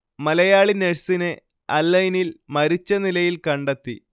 മലയാളി നഴ്സിനെ അൽഐനിൽ മരിച്ച നിലയിൽ കണ്ടെത്തി